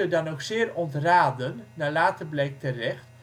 dan ook zeer ontraden (naar later bleek terecht